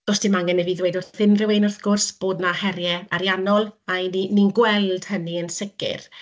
Does dim angen i fi ddweud wrth unrywun wrth gwrs bod 'na heriau ariannol a 'y ni ni'n gweld hynny yn sicr.